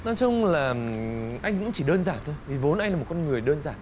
nói chung là ừm anh cũng chỉ đơn giản thôi vì vốn anh là một con người đơn giản